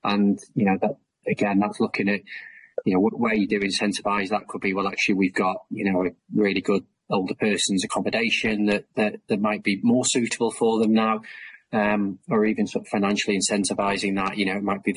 And you know that again that's looking at you know what way to incentivize that could be well actually we've got you know a really good older person's accommodation that that that might be more suitable for them now um or even so financially incentivizing that you know it might be